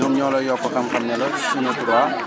ñoom ñoo la yokku xam-xam ne la suuna 3